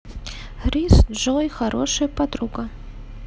рис джой хорошая подруга